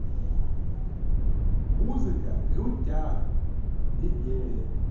музыка крутяк недели